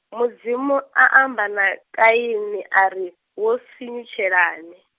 Mudzimu, a amba na, Kaini ari, wo sunyutshelani?